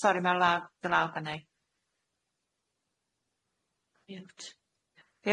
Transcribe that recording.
Sori ma law- dy lawr fynny. Mute.